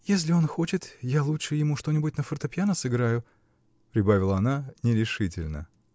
-- Если он хочет, я лучше ему что-нибудь на фортепьяно сыграю, -- прибавила она нерешительно.